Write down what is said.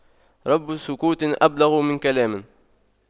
رب سكوت أبلغ من كلام